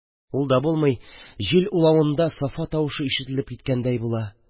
Ул да булмый, җил улавында Сафа тавышы ишетелеп киткәндәй була.